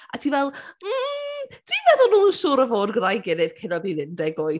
A ti fel, mm, dwi’n meddwl nhw siŵr o fod gyda’i gilydd cyn oedd hi’n un deg wyth.